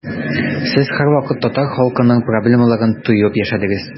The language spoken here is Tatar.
Сез һәрвакыт татар халкының проблемаларын тоеп яшәдегез.